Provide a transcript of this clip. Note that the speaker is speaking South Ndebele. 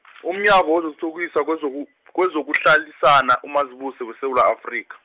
umnyaka wezokuthukiza- kwezoku- kwezokuhlalisana, uMazibuse weSewula Afrika.